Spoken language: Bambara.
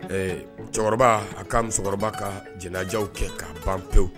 Ɛɛ cɛkɔrɔba a ka musokɔrɔba ka jw kɛ ka pan pewu